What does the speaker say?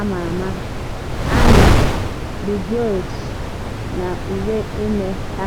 ama ama Annie Leibowitz, na uwe ime ha.